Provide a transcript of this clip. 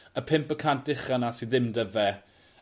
y pump y cant ucha 'na sy ddim 'dy fe.